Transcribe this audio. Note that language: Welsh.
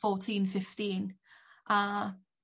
...fourteen fifteen a